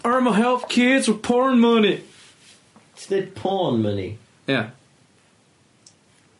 Urma help kids with porn money. Ti'n deud porn money? Ia.